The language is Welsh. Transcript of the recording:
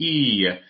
i